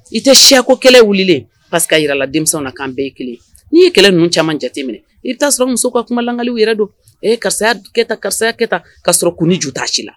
I tɛ siko kɛlɛ wili pariseke yi jirala denmisɛnw na kan bɛɛ kelen n'i ye kɛlɛ ninnu caman jateminɛ i t' sɔrɔ muso ka kumalankali yɛrɛ don ee karisayakɛta karisakɛta kaa sɔrɔ kun ni juta ci la